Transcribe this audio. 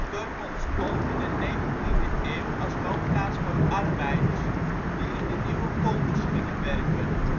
dorp ontstond in de negentiende eeuw als woonplaats voor arbeiders die in de nieuwe polders gingen werken